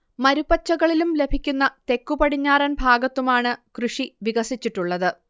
മരുപ്പച്ചകളിലും ലഭിക്കുന്ന തെക്കുപടിഞ്ഞാറൻ ഭാഗത്തുമാണ് കൃഷി വികസിച്ചിട്ടുള്ളത്